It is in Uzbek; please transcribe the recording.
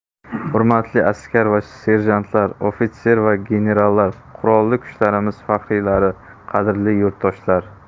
hurmatli askar va serjantlar ofitser va generallar qurolli kuchlarimiz faxriylari qadrli yurtdoshlar